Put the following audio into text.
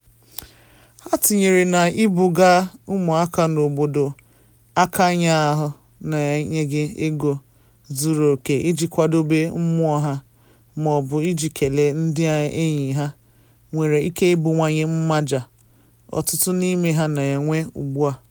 Ha tinyere na ibuga ụmụaka n’obodo akanya ahụ na enyeghi oge zuru oke iji kwadobe mmụọ ha ma ọ bụ iji kelee ndị enyi ha nwere ike ibuwanye mmaja ọtụtụ n’ime ha na enwe ugbu a.